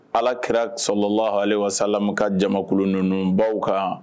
Ara kira salala ale wasalam ka jama kulu nunu baw kan ann.